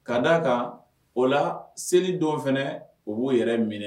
Ka d'a kan o la seli don fana u b'u yɛrɛ minɛ